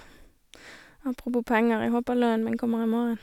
Apropos penger, jeg håper lønnen min kommer i morgen.